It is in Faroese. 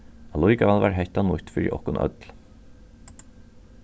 allíkavæl var hetta nýtt fyri okkum øll